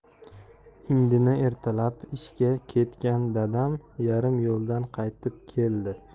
indini ertalab ishga ketgan dadam yarim yo'ldan qaytib keldi